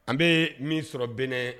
An bɛ min sɔrɔ Benin